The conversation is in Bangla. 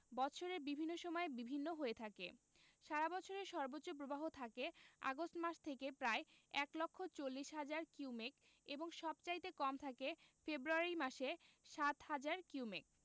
বৎসরের বিভিন্ন সময়ে বিভিন্ন হয়ে থাকে সারা বৎসরের সর্বোচ্চ প্রবাহ থাকে আগস্ট মাসে প্রায় এক লক্ষ চল্লিশ হাজার কিউমেক এবং সবচাইতে কম থাকে ফেব্রুয়ারি মাসে ৭হাজার কিউমেক